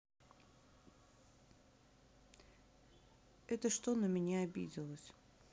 это что на меня обиделась